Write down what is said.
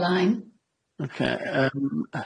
Boblaen.